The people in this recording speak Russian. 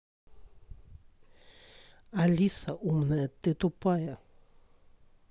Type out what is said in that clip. алиса умная ты тупая